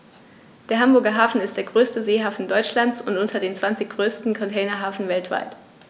Der Hamburger Hafen ist der größte Seehafen Deutschlands und unter den zwanzig größten Containerhäfen weltweit.